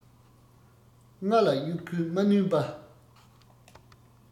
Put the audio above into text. རྔ ལ དབྱུག གུས མ བསྣུན པ